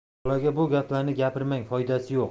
bolaga bu gaplarni gapirmang foydasi yo'q